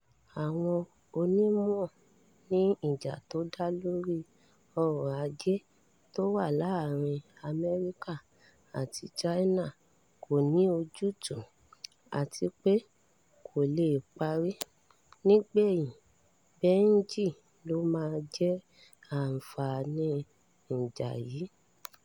Àwọn onímọ̀ ní ìjà tó dá lórí ọrọ̀-ajé tó wá láàrin Amẹ́ríkà àti China kò ní ojútùú, àtipé kò le parí. Nígbẹ̀yìn, Beijing ló máa jẹ àǹfààní ìjà yí.